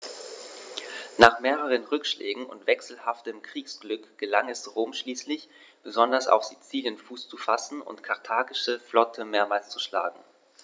Nach mehreren Rückschlägen und wechselhaftem Kriegsglück gelang es Rom schließlich, besonders auf Sizilien Fuß zu fassen und die karthagische Flotte mehrmals zu schlagen.